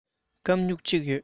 སྐམ སྨྱུག གཅིག ཡོད